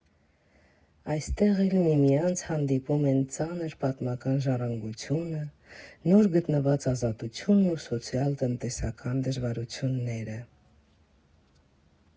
Այստեղ էլ միմյանց հանդիպում են ծանր պատմական ժառանգությունը, նոր գտնված ազատությունն ու սոցիալ֊տնտեսական դժվարությունները։